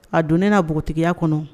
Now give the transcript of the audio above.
A dɔnnen na npogotigiya kɔnɔ